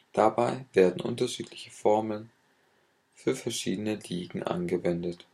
Dabei werden unterschiedliche Formeln für verschiedene Ligen angewendet